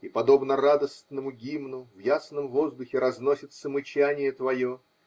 и, подобно радостному гимну, в ясном воздухе разносится мычание твое.